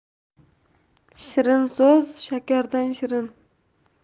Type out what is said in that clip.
shirin so'z shakardan shirin